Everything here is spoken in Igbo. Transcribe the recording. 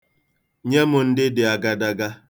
Nye m ndị dị agadaga.